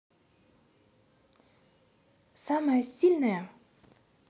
самая сильная